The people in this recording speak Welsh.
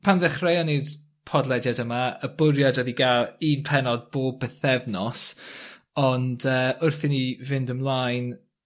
pan ddechreuon ni'r podlediad yma y bwriad odd i ga'l un pennod bob bythefnos ond yy, wrth i ni fynd ymlaen